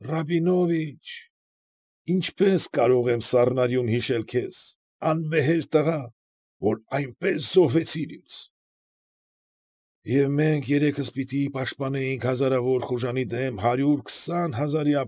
Ռաբինովիչ, ինչպե՞ս կարող եմ սառնարյուն հիշել քեզ, անվեհեր տղա, որ այնպես զոհվեցիր ինձ… Եվ մենք երեքս պիտի պաշտպանեինք հազարավոր խուժանի դեմ հարյուր քսան հազարի։